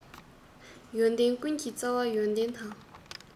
ཡོན ཏན ཀུན གྱི རྩ བ ཡོན ཏན དང